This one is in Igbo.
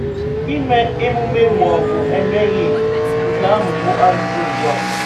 Ime emume mọọbụ emeghị, nke ahụ bụ ajụjụ ugbua.